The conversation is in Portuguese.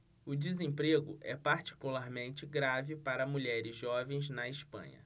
o desemprego é particularmente grave para mulheres jovens na espanha